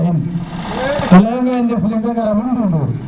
a leya ngandef leng a gara lul ndundur